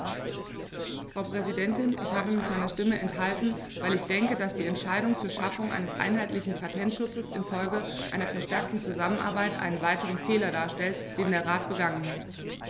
Frau Präsidentin, ich habe mich meiner Stimme enthalten, weil ich denke, dass die Entscheidung zur Schaffung eines einheitlichen Patentschutzes in Folge einer verstärkten Zusammenarbeit einen weiteren Fehler darstellt, den der Rat begangen hat.